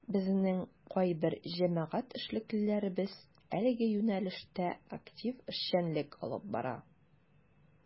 Безнең кайбер җәмәгать эшлеклеләребез әлеге юнәлештә актив эшчәнлек алып бара.